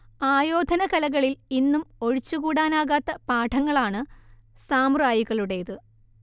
ആയോധന കലകളിൽ ഇന്നും ഒഴിച്ചുകൂടാനാകാത്ത പാഠങ്ങളാണ് സാമുറായികളുടേത്